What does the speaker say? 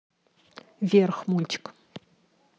вверх мультик